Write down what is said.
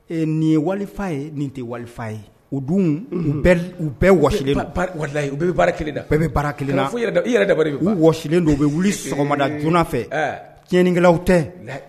Nin ye wali ye nin tɛ wali ye u dun u bɛɛ wa wali u bɛ baara kelenda bɛɛ bɛ baara kelen i yɛrɛ da u wasilen don u bɛ wuli sɔgɔma na joona fɛ tiɲɛnkɛlawlaw tɛ